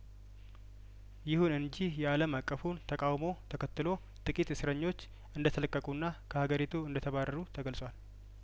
ይሁን እንጂ የአለም አቀፉን ተቃውሞ ተከትሎ ጥቂት እስረኞች እንደተለቀቁና ከሀገሪቱ እንደተባረሩ ተገልጿል